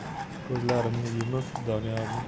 ko'zlarimni yumib doniyorning